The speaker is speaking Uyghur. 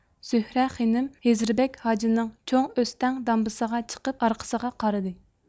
زۆھرە خېنىم ھېززىبەگ ھاجىنىڭ چوڭ ئۆستەڭ دامبىسىغا چىقىپ ئارقىسىغا قارىدى